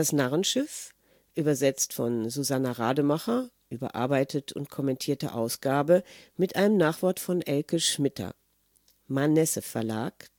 Narrenschiff. Übersetzt von Susanna Rademacher. Überarbeitete und kommentierte Ausgabe. Mit einem Nachwort von Elke Schmitter. Manesse Verlag